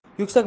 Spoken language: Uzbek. yuksak ma